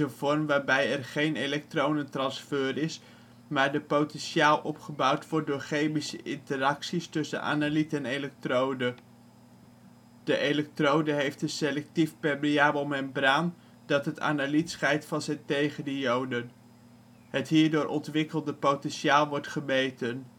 vorm waarbij er geen elektronentransfer is, maar de potentiaal opgebouwd wordt door chemische interacties tussen analiet en elektrode. De elektrode heeft een selectief permeabel membraan dat het analiet scheidt van zijn tegenionen. Het hierdoor ontwikkelde potentiaal wordt gemeten